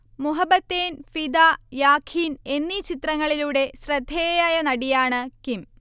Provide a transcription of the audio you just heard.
മൊഹബത്തെയ്ൻ, ഫിദ, യാഖീൻ എന്നീ ചിത്രങ്ങളിലൂടെ ശ്രദ്ധേയയായ നടിയാണ് കിം